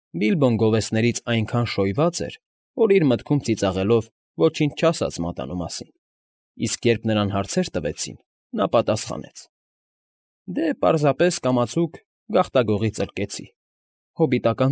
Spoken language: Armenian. Բիբլոն գովեստներից այնքան շոյված էր, որ, իր մտքում ծիծաղելով, ոչինչ չասաց մատանու մասին, իսկ երբ նրան հարցեր տվեցին, նա պատասխանեց. ֊ Դե, պարզապես կամացուկ, գաղտագողի ծլկեցի, հոբիտական։